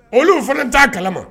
Olu fana t'a kalama